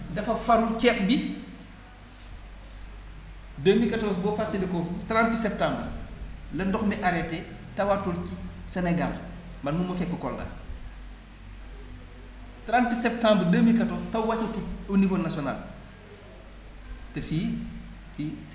dafa faru ci ceeb gi deux mille quatorze boo fàttalikoo trente septembre la ndox mi arrêté tawatul Sénégal man mu ngi ma fekk Kolda trente septembre deux mille quatorze taw wàccatul au niveau national te fii fii ci